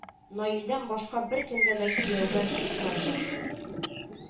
Наилдән башка беркемгә дә кияүгә чыкмаячак